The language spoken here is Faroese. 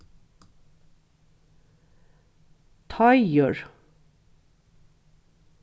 teigur